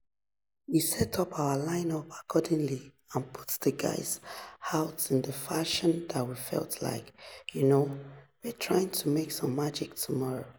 We set up our line-up accordingly and put the guys out in the fashion that we felt like, you know, we're trying to make some magic tomorrow."